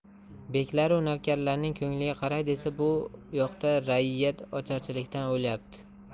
beklaru navkarlarning ko'ngliga qaray desa bu yoqda raiyyat ocharchilikdan o'lyapti